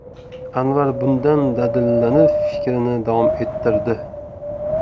anvar bundan dadillanib fikrini davom ettirdi